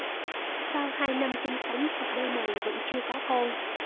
sau hai năm chung sống cặp đôi này vẫn chưa có con